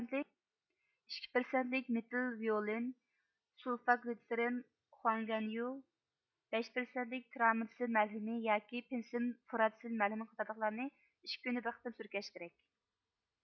ئىككى پىرسەنتلىك مېتىل ۋىئولىن سۇلفاگلىتسېرىن خۇاڭگەنيوۋ بەش پىرسەنتلىك تېررامىتسىن مەلھىمى ياكى پېنسىلىن فۇراتىسىللىن مەلھىمى قاتارلىقلارنى ئىككى كۈندە بىر قېتىم سۈركەش كېرەك